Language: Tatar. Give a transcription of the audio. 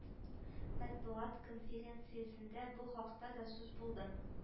Матбугат конференциясендә бу хакта да сүз булды